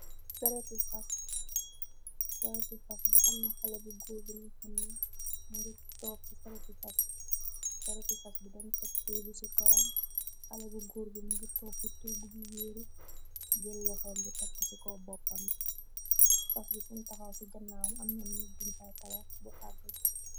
Sareti fas bi am na xale bu guur gi nu xamni mu ngir toog ci retifas b sareti fas bi dan tetti bi ci koom xalé bu guur gi mi ngir toog ci tegg bi wiiri gëlloxenbi tekk ci ko boppam bi fas bi fun taxaw ci gannamu amnani bin fay taraf bu agga go